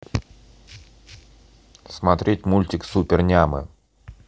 смотреть мультик супернямы